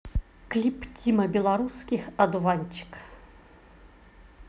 клип тима белорусских одуванчик